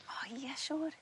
O ie siŵr.